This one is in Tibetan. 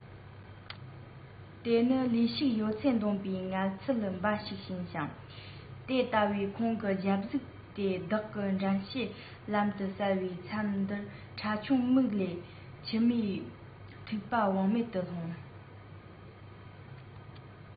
དེ ནི ལུས ཤུགས ཡོད ཚད འདོན པའི ངང ཚུལ འབའ ཞིག ཡིན ཞིང དེ ལྟ བུའི ཁོང གི རྒྱབ གཟུགས དེ བདག གི འདྲེན བྱེད ལམ དུ གསལ བའི མཚམས འདིར ཁྲ ཆུང མིག ལས མཆི མའི ཐིགས པ དབང མེད དུ ལྷུང